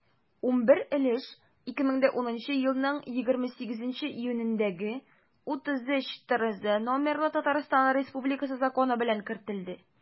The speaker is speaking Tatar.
11 өлеш 2010 елның 28 июнендәге 33-трз номерлы татарстан республикасы законы белән кертелде.